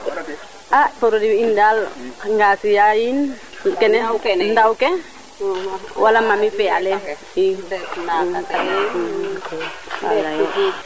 a produit in daal ngasiya yiin kene ndaw ke wala mami fe ale i